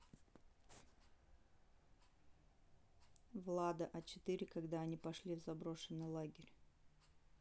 влада а четыре когда они пошли в заброшенный лагерь